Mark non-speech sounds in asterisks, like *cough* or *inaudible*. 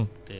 *hesitation* *hesitation*